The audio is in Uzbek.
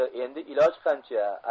endi iloj qancha